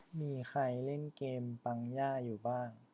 มีใครกำลังเล่นเกมปังย่าอยู่บ้าง